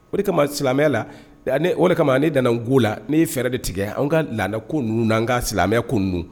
O de kama silamɛya la o de kama ne nana go la ne ye fɛɛrɛ de tigɛ an ka laada ko ninnu na an ka silamɛya koun